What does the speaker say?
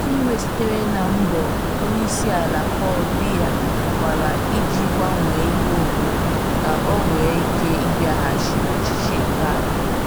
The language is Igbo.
Mkpasu iwu sitere na mbọ onyeisiala Paul Biya gbara iji gbanwee iwu obodo ka o nwe ike ịbịaghachi n’ọchichị nke atọ.